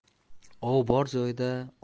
ov bor joyda